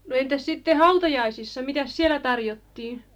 no entäs sitten hautajaisissa mitäs siellä tarjottiin